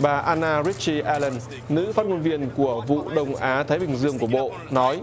bà an na rích chi a lần nữ phát ngôn viên của vụ đông á thái bình dương của bộ nói